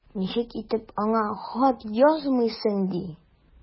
Ничек итеп аңа хат язмыйсың ди!